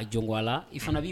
A Jɔn ko Ala, i fana bi